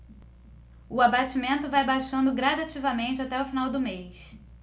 o abatimento vai baixando gradativamente até o final do mês